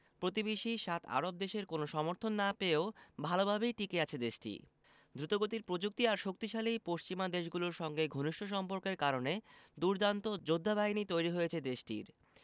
প্রতিবেশী সাত আরব দেশের কোনো সমর্থন না পেয়েও ভালোভাবেই টিকে আছে দেশটি দ্রুতগতির প্রযুক্তি আর শক্তিশালী পশ্চিমা দেশগুলোর সঙ্গে ঘনিষ্ঠ সম্পর্কের কারণে দুর্দান্ত যোদ্ধাবাহিনী তৈরি হয়েছে দেশটির